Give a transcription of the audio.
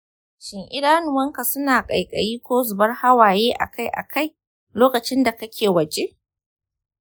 shin idanuwanka suna kaikayi ko zubar hawaye akai-akai lokacin da kake waje?